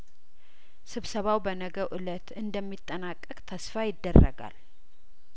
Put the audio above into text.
ስብሰባው በነገው እለት እንደሚጠናቀቅ ተስፋ ይደረጋል